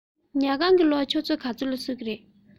ཉལ ཁང གི གློག ཆུ ཚོད ག ཚོད ལ གསོད ཀྱི རེད